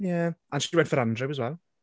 Yeah, and she went for Andrew as well.